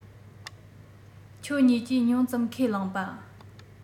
ཁྱོད གཉིས ཀྱིས ཉུང ཙམ ཁས བླངས པ